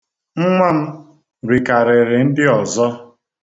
Nnwa m rikariri ndị ọzọ.